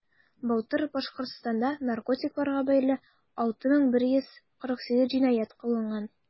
Былтыр Башкортстанда наркотикларга бәйле 6148 җинаять кылынган.